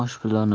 osh bilan ur